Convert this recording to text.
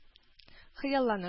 Хыялланып